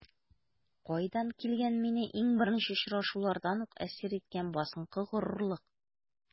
Кайдан килгән мине иң беренче очрашулардан үк әсир иткән басынкы горурлык?